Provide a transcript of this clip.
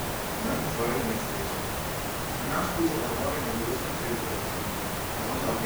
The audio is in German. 19 Folgen mitspielte. Danach spielte er Rollen in größeren Filmproduktionen, darunter